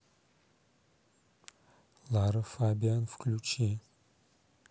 лара фабиан включи